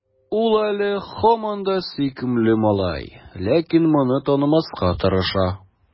Ул әле һаман да сөйкемле малай, ләкин моны танымаска тырыша.